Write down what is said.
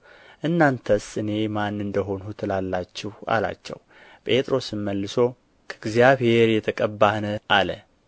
እናንተስ እኔ ማን እንደ ሆንሁ ትላላችሁ አላቸው ጴጥሮስም መልሶ ከእግዚአብሔር የተቀባህ ነህ አለ